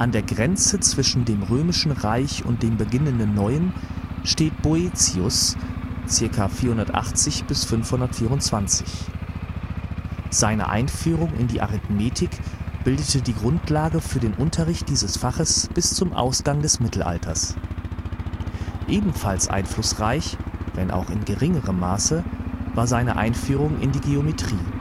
der Grenze zwischen dem römischen Reich und dem beginnenden Neuen steht Boëthius (ca. 480 – 524). Seine Einführung in die Arithmetik bildete die Grundlage für den Unterricht dieses Faches bis zum Ausgang des Mittelalters, ebenfalls einflussreich, wenn auch in geringerem Maße, war seine Einführung in die Geometrie